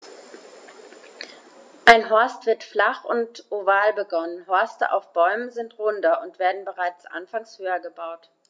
Ein Horst wird flach und oval begonnen, Horste auf Bäumen sind runder und werden bereits anfangs höher gebaut.